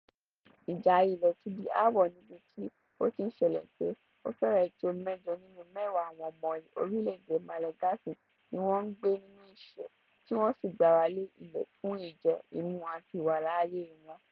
Ìjà ilẹ̀ ti di aáwọ̀ níbi tí ó ti ń ṣẹlẹ̀ pé ó fẹ́rẹ̀ tó mẹ́jọ nínú mẹ́wàá àwọn ọmọ orílẹ̀ èdè Malagasy ni wọ́n ń gbé nínú ìṣẹ́ tí wọ́n sì gbáralé ilẹ̀ fun ìjẹ-ìmu àti ìwàláàyè wọn.